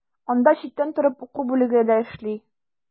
Анда читтән торып уку бүлеге дә эшли.